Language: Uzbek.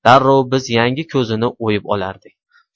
darrov biz yangi ko'zini o'yib olardik